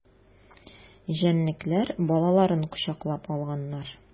Җәнлекләр балаларын кочаклап алганнар.